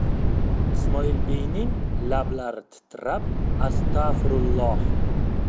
ismoilbeyning lablari titrab astag'firulloh